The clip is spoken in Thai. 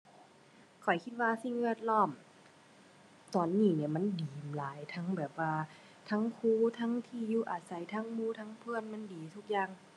ข้อยคิดว่าสิ่งแวดล้อม ตอนนี้เนี่ยมันดีอยู่หลาย ทั้งแบบว่า ทั้งคู่ ทั้งที่อยู่อาศัย ทั้งหมู่ ทั้งเพื่อนมันดีทุกอย่าง